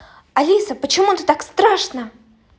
алиса почему ты так страшного